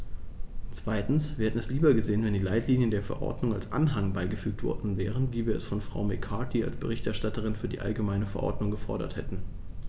Zweitens: Wir hätten es lieber gesehen, wenn die Leitlinien der Verordnung als Anhang beigefügt worden wären, wie wir es von Frau McCarthy als Berichterstatterin für die allgemeine Verordnung gefordert hatten.